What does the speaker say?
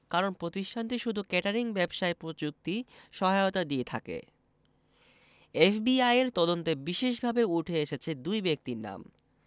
কারণ প্রতিষ্ঠানটি শুধু কেটারিং ব্যবসায় প্রযুক্তি সহায়তা দিয়ে থাকে এফবিআইয়ের তদন্তে বিশেষভাবে উঠে এসেছে দুই ব্যক্তির নাম